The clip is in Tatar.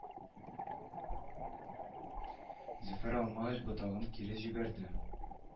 Зөфәр алмагач ботагын кире җибәрде